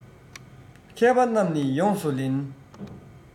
མཁས པ རྣམས ནི ཡོངས སུ ལེན